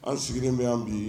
An sigilen bɛ' bi